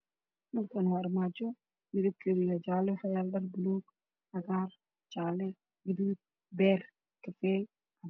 Meeshaan waxaa ka muuqdo iska faalo ay saaran yihiin Maryo bundad ah oo kalaro kala duwan leh